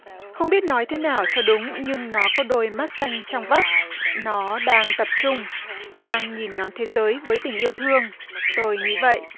không biết nói thế nào cho đúng nhưng nó có đôi mắt xanh trong vắt nó đang tập trung đang nhìn ngắm thế giới với tình yêu thương tôi nghĩ vậy